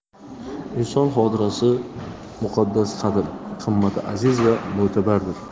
inson xotirasi muqaddas qadr qimmati aziz va mo'tabardir